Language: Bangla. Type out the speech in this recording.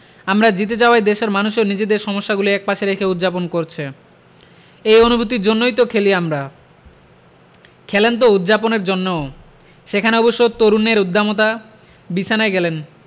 আমরা জিতে যাওয়ায় দেশের মানুষও নিজেদের সমস্যাগুলো একপাশে রেখে উদ্ যাপন করছে এই অনুভূতির জন্যই তো খেলি আমরা খেলেন তো উদ্ যাপনের জন্যও সেখানে অবশ্য তরুণের উদ্দামতা বিছানায় গেলেন